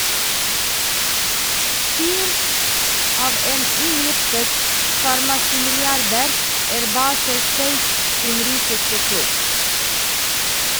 Styrt av en inngiftet farmasimilliardær er Basel Sveits sin rikeste klubb.